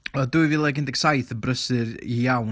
Oedd dwy fil ac un deg saith yn brysur iawn.